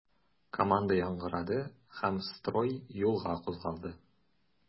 Команда яңгырады һәм строй юлга кузгалды.